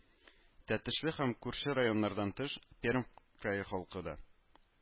Тәтешле һәм күрше районнардан тыш, Пермь крае халкы да